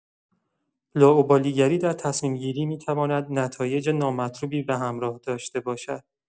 لاابالی‌گری در تصمیم‌گیری می‌تواند نتایج نامطلوبی به همراه داشته باشد.